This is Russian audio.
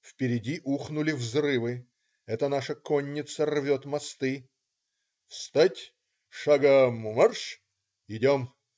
Впереди ухнули взрывы - это наша конница рвет мосты. Встать! Шагом марш. Идем.